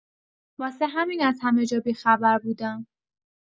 واسه همین از همه جا بی‌خبر بودم.